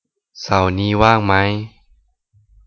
เสาร์นี้ว่างไหม